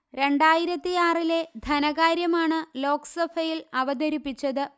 രണ്ടായിരത്തിയാറിലെ ധനകാര്യമാണ് ലോക്സഭയിൽ അവതരിപ്പിച്ചത്